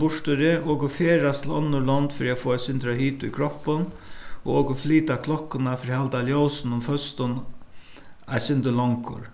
burturi okur ferðast til onnur lond fyri at fáa eitt sindur av hita í kroppin og okur flyta klokkuna fyri at halda ljósinum føstum eitt sindur longur